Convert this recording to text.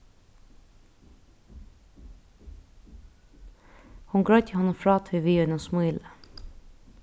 hon greiddi honum frá tí við einum smíli